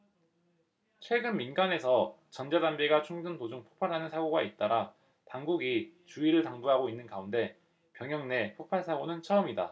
최근 민간에서 전자담배가 충전 도중 폭발하는 사고가 잇따라 당국이 주의를 당부하고 있는 가운데 병영 내 폭발 사고는 처음이다